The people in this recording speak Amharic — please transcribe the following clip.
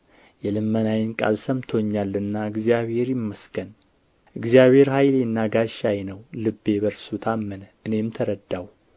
የልመናዬን ቃል ሰምቶኛልና እግዚአብሔር ይመስገን እግዚአብሔር ኃይሌና ጋሻዬ ነው ልቤ በእርሱ ታመነ እኔም ተረዳሁ